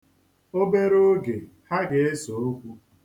Obere oge, ha ga-ese okwu.